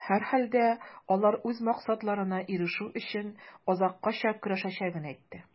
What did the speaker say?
Һәрхәлдә, алар үз максатларына ирешү өчен, азаккача көрәшәчәген әйтә.